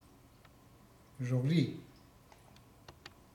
རོགས རེས